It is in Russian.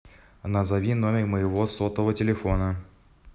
назови номер моего сотового телефона